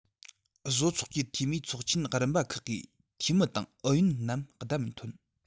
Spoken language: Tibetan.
བཟོ ཚོགས ཀྱི འཐུས མིའི ཚོགས ཆེན རིམ པ ཁག གི འཐུས མི དང ཨུ ཡོན རྣམས བདམས ཐོན